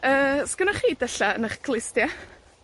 Yy, 'sgennoch chi dylla' yn 'ych clustia?